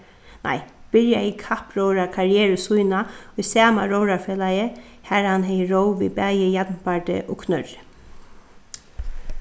nei byrjaði kappróðrarkarrieru sína í sama róðrarfelagi har hann hevði róð við bæði jarnbardi og knørri